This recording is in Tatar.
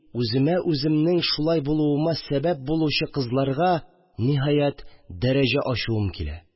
Үземә, үземнең шулай булуыма сәбәп булучы кызларга ниһаять дәрәҗә ачуым килә